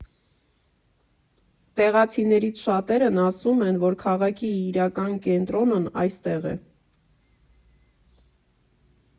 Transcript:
Տեղացիներից շատերն ասում են, որ քաղաքի իրական կենտրոնն այստեղ է։